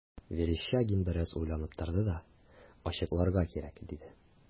Верещагин бераз уйланып торды да: – Ачыкларга кирәк,– диде.